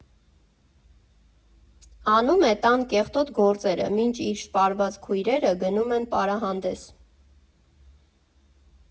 Անում է տան կեղտոտ գործերը, մինչ իր շպարված քույրերը գնում են պարահանդես։